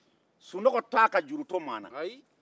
sunɔgɔ t'a ka juru to maa na